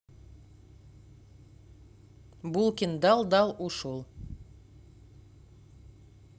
булкин дал дал ушел